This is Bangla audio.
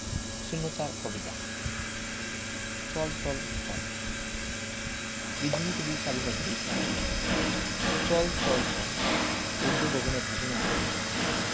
০৪কবিতা চল চল চল বিদ্রোহী কবি কাজী নজরুল ইসলাম চল চল চল ঊর্ধ্ব গগনে বাজে মাদল